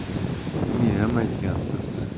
uniyam aytgansiz